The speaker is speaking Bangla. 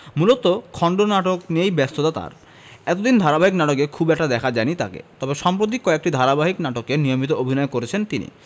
মূলত খণ্ডনাটক নিয়েই ব্যস্ততা তার এতদিন ধারাবাহিক নাটকে খুব একটা দেখা যায়নি তাকে তবে সম্প্রতি কয়েকটি ধারাবাহিক নাটকে নিয়মিতই অভিনয় করছেন তিনি